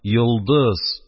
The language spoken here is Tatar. Йолдыз